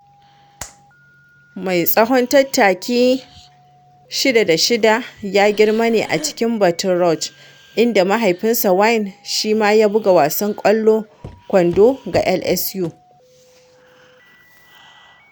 Mai tsawon tattaki 6 da 6 ya girma ne a cikin Baton Rouge, inda mahaifinsa, Wayne, shi ma ya buga wasan ƙwallon kwando ga LSU.